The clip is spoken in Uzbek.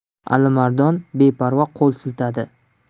alimardon beparvo qo'l siltadi